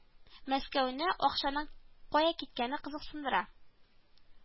Мәскәүне акчаның кая киткәне кызыксындыра